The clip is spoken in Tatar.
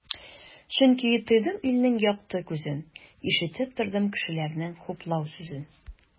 Чөнки тойдым илнең якты күзен, ишетеп тордым кешеләрнең хуплау сүзен.